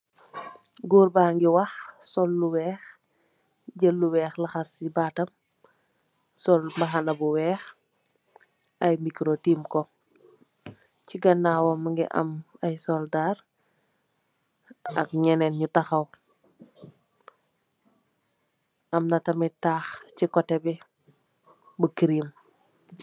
Goor bangi wax, sol lu weex, jeul lu weex laxas chi baatam, sol mbahana bu weex, aye micoro tiim ko, chi ganaawam mungi am aye soldaar, ak ñeneen ñu taxaw, amna tamit taax chi kote bi, bu green.